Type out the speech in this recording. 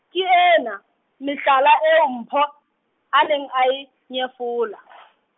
ke ena, mehlala eo Mpho, a neng a e, nyefola .